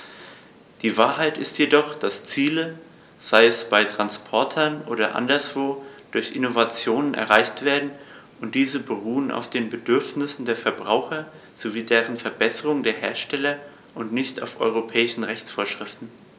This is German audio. Die Wahrheit ist jedoch, dass Ziele, sei es bei Transportern oder woanders, durch Innovationen erreicht werden, und diese beruhen auf den Bedürfnissen der Verbraucher sowie den Verbesserungen der Hersteller und nicht nur auf europäischen Rechtsvorschriften.